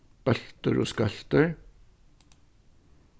bóltur og skøltur